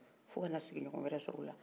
fo kana siginɲɔgɔn wɛrɛ sɔrɔ yan